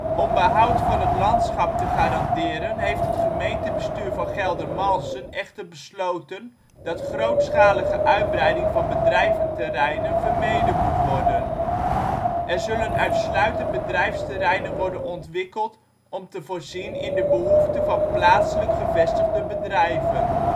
Om behoud van het landschap te garanderen heeft het gemeentebestuur van Geldermalsen echter besloten dat grootschalige uitbreiding van bedrijventerreinen vermeden moet worden. Er zullen uitsluitend bedrijfsterreinen worden ontwikkeld om te voorzien in de behoefte van plaatselijk gevestigde bedrijven